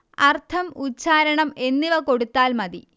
അർത്ഥം ഉച്ചാരണം എന്നിവ കൊടുത്താൽ മതി